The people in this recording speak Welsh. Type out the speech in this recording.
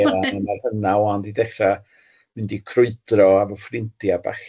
Ie a ma' hynna ŵan wedi dechra mynd i crwydro efo ffrindiau ballu